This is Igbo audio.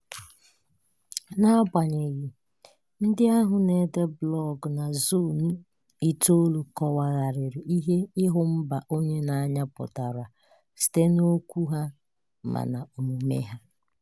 Na-agbanyeghị, ndị ahụ na-ede blọọgụ na Zone9 kọwagharịrị ihe ịhụ mba onye n'anya pụtara site n'okwu ha ma n'omume ha.